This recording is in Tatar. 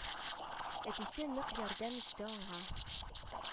Әтисе нык ярдәм итте аңа